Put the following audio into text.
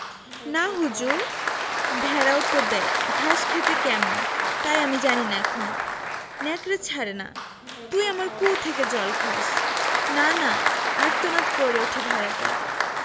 না হুজুর ভেড়া উত্তর দ্যায় ঘাস খেতে কেমন তাই আমি জানি না এখনো নেকড়ে ছাড়ে না তুই আমার কুয়ো থেকে জল খাস না না আর্তনাদ করে ওঠে ভেড়াটা